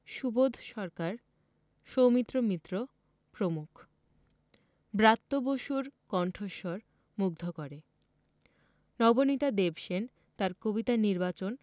সুবোধ সরকার সৌমিত্র মিত্র প্রমুখ ব্রাত্য বসুর কন্ঠস্বর মুগ্ধ করে নবনীতা দেবসেন তার কবিতা নির্বাচন